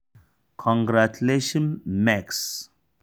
Congratulations MEX!